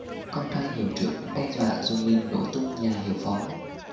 con trai hiệu trưởng đe dọa dùng mìn nổ tung nhà hiệu phó